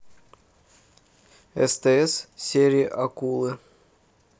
стс сериакулы